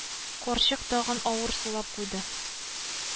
Карчык тагын авыр сулап куйды.